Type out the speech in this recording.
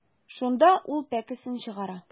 Шунда ул пәкесен чыгара.